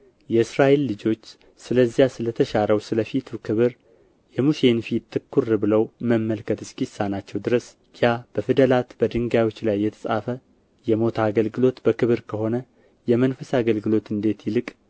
የእስራኤል ልጆች ስለዚያ ስለ ተሻረው ስለ ፊቱ ክብር የሙሴን ፊት ትኩር ብለው መመልከት እስኪሳናቸው ድረስ ያ በፊደላት በድንጋዮች ላይ የተቀረጸ የሞት አገልግሎት በክብር ከሆነ የመንፈስ አገልግሎት እንዴት ይልቅ